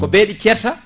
ko beyi ɗi ceerta